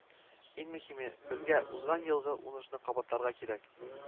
Иң мөһиме безгә узган елгы уңышны кабатларга кирәк